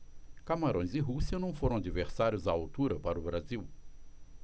camarões e rússia não foram adversários à altura para o brasil